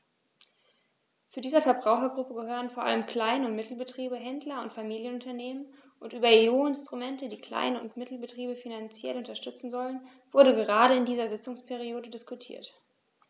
Zu dieser Verbrauchergruppe gehören vor allem Klein- und Mittelbetriebe, Händler und Familienunternehmen, und über EU-Instrumente, die Klein- und Mittelbetriebe finanziell unterstützen sollen, wurde gerade in dieser Sitzungsperiode diskutiert.